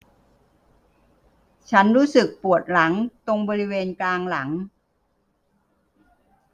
ฉันรู้สึกปวดหลังตรงบริเวณกลางหลัง